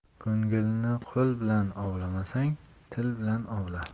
ko'ngilni qo'l bilan ovlamasang til bilan ovla